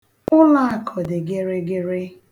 Ụlọakụ dị gịrịgịrị.